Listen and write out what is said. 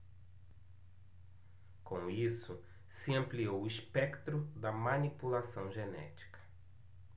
com isso se ampliou o espectro da manipulação genética